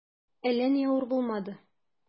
Әллә ни авыр булмады.